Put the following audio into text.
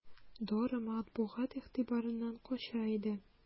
Дора матбугат игътибарыннан кача иде.